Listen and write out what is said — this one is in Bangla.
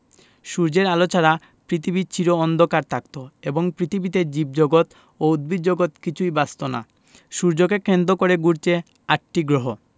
সূর্যের আলো ছাড়া পৃথিবী চির অন্ধকার থাকত এবং পৃথিবীতে জীবজগত ও উদ্ভিদজগৎ কিছুই বাঁচত না সূর্যকে কেন্দ্র করে ঘুরছে আটটি গ্রহ